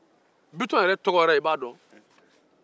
i bɛ bitɔn kɔrɔ dɔn wa